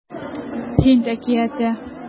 Һинд әкияте